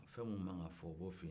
fɛn min ma kan ka fɔ o b'o f'i ɲɛna